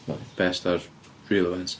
Based ar real events.